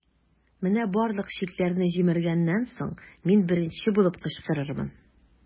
Менә барлык чикләрне җимергәннән соң, мин беренче булып кычкырырмын.